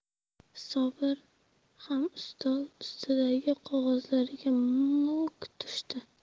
sobir ham ustol ustidagi qog'ozlariga muk tushdi